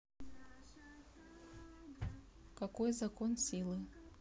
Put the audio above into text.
какой закон силы